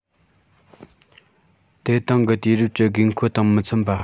དེ དེང གི དུས རབས ཀྱི དགོས མཁོ དང མི འཚམ པ